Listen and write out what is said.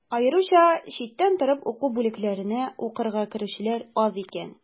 Аеруча читтән торып уку бүлекләренә укырга керүчеләр аз икән.